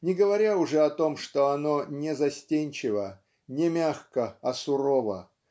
не говоря уже о том, что оно не застенчиво, не мягко, а сурово,